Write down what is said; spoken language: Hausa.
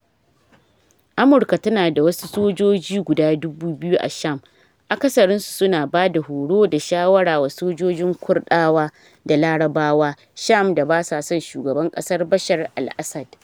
Amurka tana da wasu sojoji 2,000 a Sham, akasarinsu su na ba da horo da shawara wa sojojin Kurdawa da Larabawan Sham da basa son Shugaban kasar Bashar al-Assad.